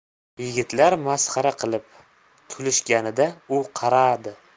yigitlar masxara qilib kulishganida u qaradi